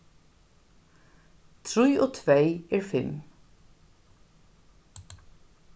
trý og tvey er fimm